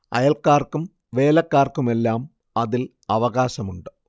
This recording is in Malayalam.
അയൽക്കാർക്കും വേലക്കാർക്കുമെല്ലാം അതിൽ അവകാശമുണ്ട്